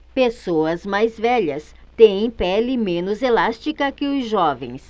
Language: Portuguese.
pessoas mais velhas têm pele menos elástica que os jovens